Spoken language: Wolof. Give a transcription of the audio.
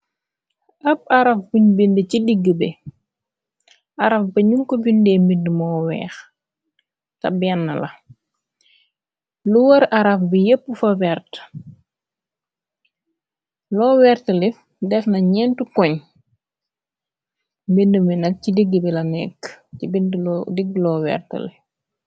Ab araf buñ bind ci digg be, araf ba ñu ko bindee mbind moo weex, ta benn la, luwër araf bi yépp fa wert, loo wertalif defna ñentu koñ, mbind minak ci digg bi la nekk, ci bind digg lo wertali.